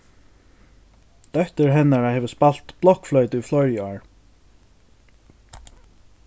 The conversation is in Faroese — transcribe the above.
dóttir hennara hevur spælt blokkfloytu í fleiri ár